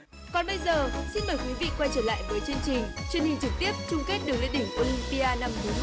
còn bây giờ xin mời quý vị quay trở lại với chương trình truyền hình trực tiếp chung kết đường lên đỉnh ô lim pi a năm thứ